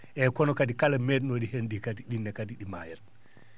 eeyi kono kadi kala menno?i heen ?i kadi ?iin ne kadi ?i maayat